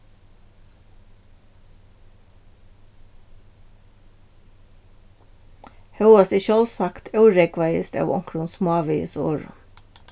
hóast eg sjálvsagt órógvaðist av onkrum smávegis orðum